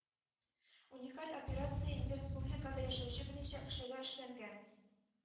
Уникаль операция инде республикада яшәүче берничә кешегә эшләнгән